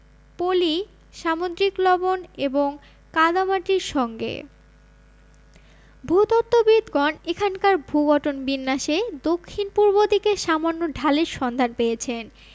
পলি সামুদ্রিক লবণ এবং কাদামাটির সঙ্গে ভূতত্ত্ববিদগণ এখানকার ভূগঠনবিন্যাসে দক্ষিণ পূর্ব দিকে সামান্য ঢালের সন্ধান পেয়েছেন